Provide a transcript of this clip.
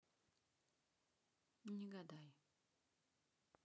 не гадай